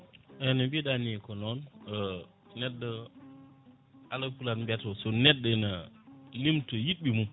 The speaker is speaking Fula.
eyyi no mbiɗa ni ko noon neɗɗo haaloɓe pulaar mbiyata ko so neɗɗo ina limta yiɗɓe mum